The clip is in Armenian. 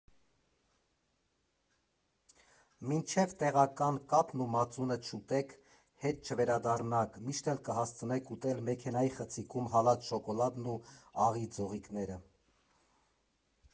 Մինչև տեղական կաթն ու մածունը չուտեք, հետ չվերադառնաք, միշտ էլ կհասցնեք ուտել մեքենայի խցիկում հալած շոկոլադն ու աղի ձողիկները։